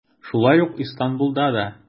Шулай ук Истанбулда да.